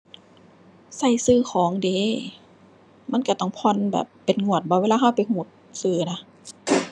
ใช้ซื้อของเด้ มันใช้ต้องผ่อนแบบเป็นงวดบ่ เวลาใช้ไปใช้ซื้อน่ะ